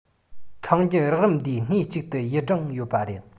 ཕྲེང བརྒྱུད རགས རིམ འདིའི སྣེ གཅིག ཏུ ཡུལ སྦྲང ཡོད པ དང